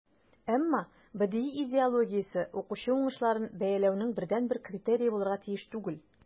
Әмма БДИ идеологиясе укучы уңышларын бәяләүнең бердәнбер критерие булырга тиеш түгел.